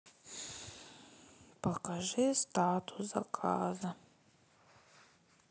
покажи статус заказа